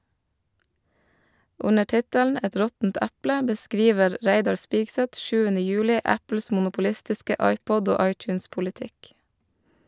Under tittelen "Et råttent eple" beskriver Reidar Spigseth 7. juli Apples monopolistiske iPod- og iTunes-politikk.